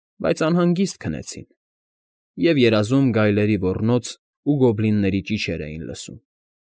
Բայց անհանգիտ քնեցին, և երազում գայլերի ոռնոց ու գոբլինների ճիչեր էին լսում։